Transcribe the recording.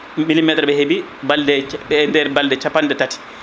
ɗum millimétre ɗi heeɓi balɗe e nder balɗe capanɗe tati